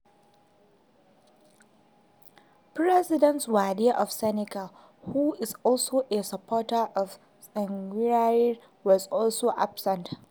President Wade of Senegal, who is also a supporter of Tsvangirai, was also absent.